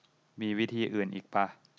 มีวิธีอื่นอีกปะ